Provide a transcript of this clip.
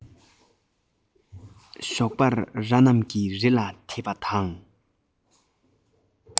ཞོགས པར ར རྣམས རི ལ དེད པ དང